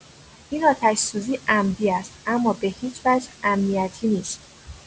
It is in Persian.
این آتش‌سوزی عمدی است اما به‌هیچ‌وجه امنیتی نیست.